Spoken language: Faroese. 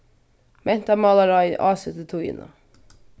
mentamálaráðið ásetir tíðina